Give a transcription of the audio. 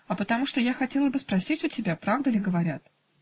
"А потому, что я хотела бы спросить у тебя, правда ли, говорят.